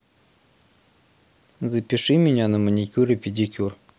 запиши меня на маникюр и педикюр